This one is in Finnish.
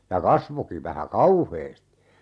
ja kasvoikin vähän kauheasti